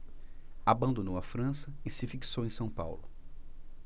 abandonou a frança e se fixou em são paulo